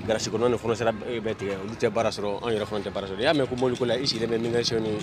Garage kɔnɔna ni ee bɛ tigɛ olu tɛ baara sɔrɔ anw yɛrɛ fana tɛ baara sɔrɔ n'i y'a mɛ ko mobili bolila i sigilen bɛ mécanicien w ni